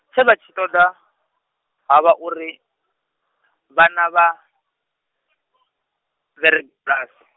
tshe vha tshi ṱoḓa, havha uri, vhana vha , vhe bulasi.